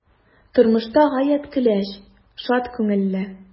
Тормышта гаять көләч, шат күңелле.